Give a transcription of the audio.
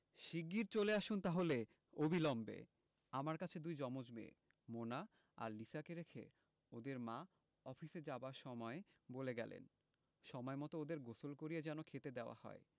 শিগগির চলে আসুন তাহলে অবিলম্বে আমার কাছে দুই জমজ মেয়ে মোনা আর লিসাকে রেখে ওদের মা অফিসে যাবার সময় বলে গেলেন সময়মত ওদের গোসল করিয়ে যেন খেতে দেওয়া হয়